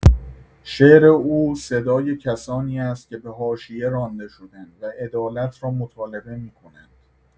شعر او صدای کسانی است که به حاشیه رانده شده‌اند و عدالت را مطالبه می‌کنند.